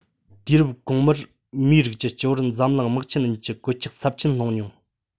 དུས རབས གོང མར མིའི རིགས ཀྱི སྤྱི བོར འཛམ གླིང དམག ཆེན གཉིས ཀྱི གོད ཆགས ཚབས ཆེན ལྷུང མྱོང